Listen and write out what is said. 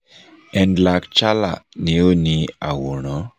Endalk Chala ni ó ni àwòrán.